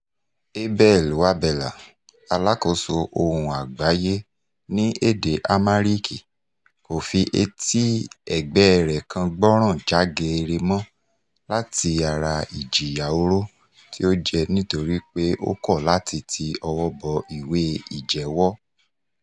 Abel Wabella, alákòóso Ohùn Àgbáyé ní Èdè Amharic , kò fi etí ẹ̀gbẹ́ẹ rẹ̀ kan gbọ́ràn já geere mọ́n láti ara ìjìyà oró tí ó jẹ́ nítorí pé ó kọ̀ láti ti ọwọ́ bọ ìwé ìjẹ́wọ́.